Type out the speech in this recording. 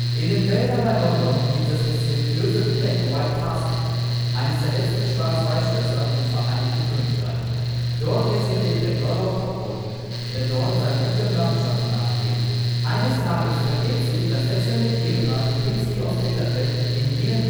In den Wäldern bei London liegt das mysteriöse BlackWhite-Castle, eines der letzten „ Schwarz-Weiß-Schlösser “im Vereinigten Königreich. Dort residiert der Earl of Cockwood, der dort seinen üblen Machenschaften nachgeht. Eines Tages verirrt sich das sächselnde Ehepaar Dubinsky aus Bitterfeld in jenen